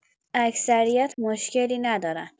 اکثریت مشکلی ندارن.